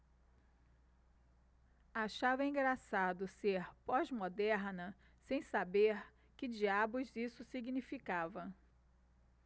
achava engraçado ser pós-moderna sem saber que diabos isso significava